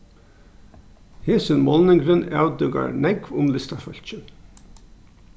hesin málningurin avdúkar nógv um listafólkið